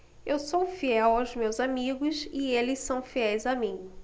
eu sou fiel aos meus amigos e eles são fiéis a mim